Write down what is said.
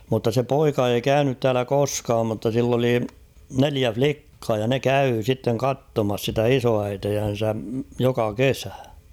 mutta se poika ei käynyt täällä koskaan mutta sillä oli neljä likkaa ja ne kävi sitten katsomassa sitä isoäitiänsä joka kesä